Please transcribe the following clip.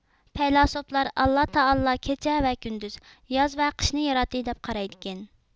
پەيلاسوپلار ئاللا تائالا كېچە ۋە كۈندۈز ياز ۋە قىشنى ياراتتى دەپ قارايدىكەن